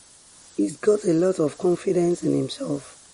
"He's got a lot of confidence in himself.